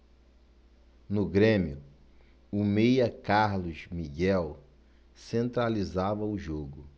no grêmio o meia carlos miguel centralizava o jogo